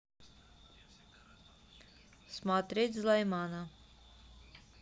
смотреть злоймана